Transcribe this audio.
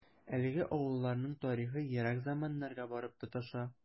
Әлеге авылларның тарихы ерак заманнарга барып тоташа.